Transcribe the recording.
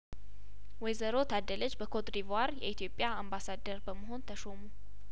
ወይዘሮ ታደለች በኮትዲቯር የኢትዮጵያ አምባሳደር በመሆን ተሾሙ